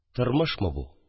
Тормышмы бу